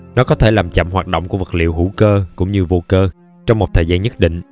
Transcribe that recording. nó có thể làm chậm hoạt động của vật liệu hữu cơ cũng như vô cơ trong một thời gian nhất định